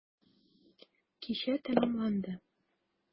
Кичә тәмамланды.